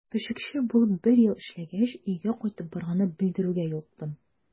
Пешекче булып бер ел эшләгәч, өйгә кайтып барганда белдерүгә юлыктым.